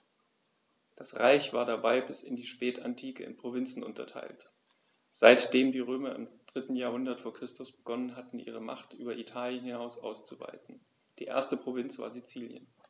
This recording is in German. Das Reich war dabei bis in die Spätantike in Provinzen unterteilt, seitdem die Römer im 3. Jahrhundert vor Christus begonnen hatten, ihre Macht über Italien hinaus auszuweiten (die erste Provinz war Sizilien).